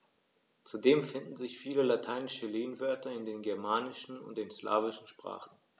Zudem finden sich viele lateinische Lehnwörter in den germanischen und den slawischen Sprachen.